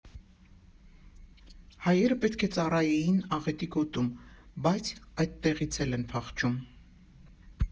Հայերը պետք է ծառայեին աղետի գոտում, բայց այդտեղից էլ են փախչում։